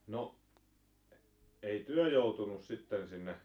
no ei te joutunut sitten sinne